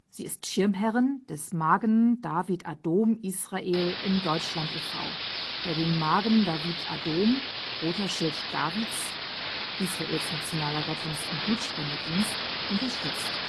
Sie ist Schirmherrin des Magen David Adom-Israel in Deutschland e. V., der den Magen David Adom (Roter Schild Davids, Israels nationaler Rettungs - und Blutspendedienst) unterstützt